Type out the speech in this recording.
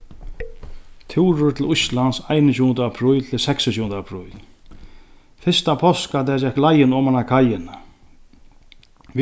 túrur til íslands einogtjúgunda apríl til seksogtjúgunda apríl fyrsta páskadag gekk leiðin oman á kaiina